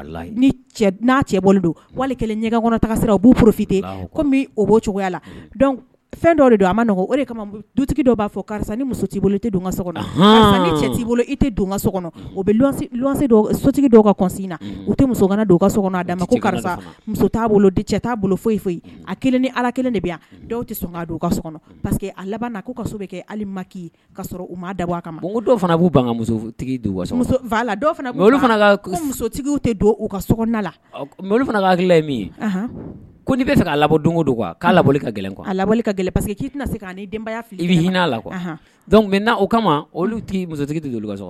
B fɛn dɔw de don a ma kama dutigi dɔ b'a fɔ karisa ni muso bolo i tɛ bolo i so kɔnɔ sotigi ka na ka so ma ko karisa cɛ t'a foyi a kelen ni ala kelen de tɛ sɔn u ka so paseke a laban kɛ ka u ma da a ma dɔw fana b'utigi musotigi fana' hakili ye min ye ko bɛ fɛ'bɔ don k'a ka gɛlɛn a ka gɛlɛn pa k se denbaya i la o kama olu tɛ musotigi don